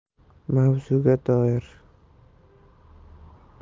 mavzuga doir